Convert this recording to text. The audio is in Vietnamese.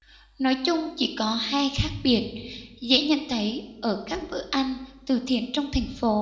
nói chung chỉ có hai khác biệt dễ nhận thấy ở các bữa ăn từ thiện trong thành phố